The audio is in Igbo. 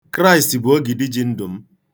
Kraịst bụ ogidi ji ndụ m.